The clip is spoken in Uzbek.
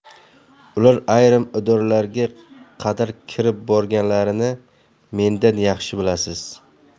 ular ayrim idoralarga qadar kirib borganlarini mendan yaxshi bilasiz